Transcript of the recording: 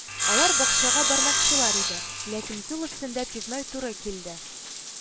Алар бакчага бармакчылар иде, ләкин юл өстендә пивной туры килде